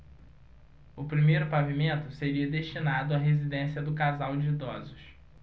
o primeiro pavimento seria destinado à residência do casal de idosos